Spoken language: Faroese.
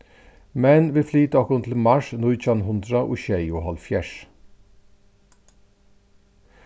men vit flyta okkum til mars nítjan hundrað og sjeyoghálvfjerðs